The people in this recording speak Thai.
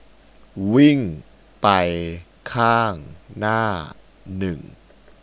วิ่งไปข้างหน้าหนึ่ง